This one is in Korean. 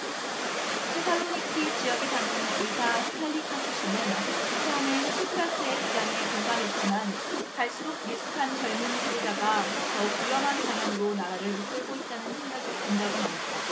테살로니키 지역에 사는 의사 스탈리카스씨는 처음엔 치프라스의 주장에 공감했지만 갈수록 미숙한 젊은 지도자가 더욱 위험한 방향으로 나라를 이끌고 있다는 생각이 든다고 말했다